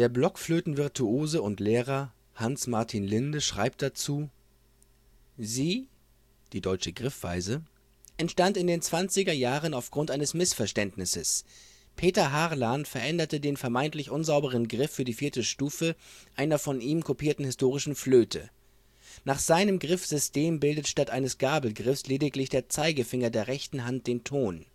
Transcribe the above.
Blockflöten-Virtuose und - Lehrer Hans-Martin Linde schreibt dazu: Sie (die deutsche Griffweise) entstand in den zwanziger Jahren aufgrund eines Mißverständnisses. Peter Harlan veränderte den vermeintlich unsauberen Griff für die 4. Stufe einer von ihm kopierten historischen Flöte. Nach seinem Griffsystem bildet statt eines Gabelgriffes lediglich der Zeigefinger der rechten Hand den Ton